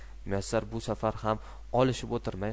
muyassar bu safar ham olishib o'tirmay